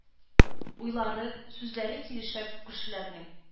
Уйлары, сүзләре килешә күршеләрнең.